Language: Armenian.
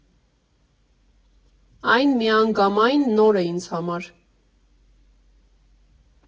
Այն միանգամայն նոր է ինձ համար։